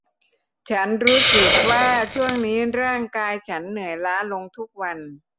ฉันรู้สึกว่าช่วงนี้ร่างกายฉันเหนื่อยล้าลงทุกวัน